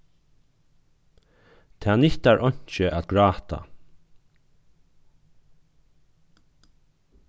tað nyttar einki at gráta